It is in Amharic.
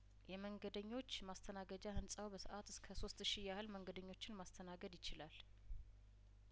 የመንገደኞች ማስተናገጃ ህንጻው በሰአት እስከ ሶስት ሺ ያህል መንገደኞችን ማስተናገድ ይችላል